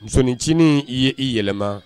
Musonincinin ye i yɛlɛma